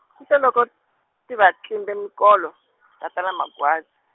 kute loko, ti va tlimbe minkolo, tatana Magwaza.